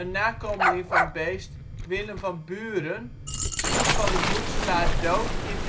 nakomeling van Beesd, Willem van Buren, schiet Van den Boetzelaer dood in